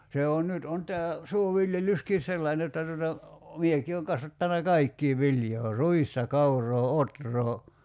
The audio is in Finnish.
se on nyt on tämä suoviljelyskin sellainen jotta tuota minäkin olen kasvattanut kaikkea viljaa ruista kauraa ohraa